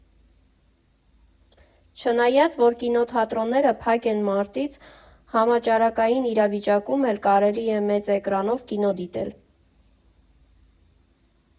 Չնայած, որ կինոթատրոնները փակ են մարտից, համաճարակային իրավիճակում էլ կարելի է մեծ էկրանով կինո դիտել.